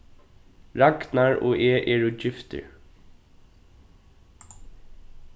ragnar og eg eru giftir